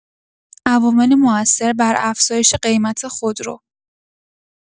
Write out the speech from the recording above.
عوامل مؤثر بر افزایش قیمت خودرو